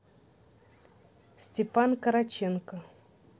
степан караченко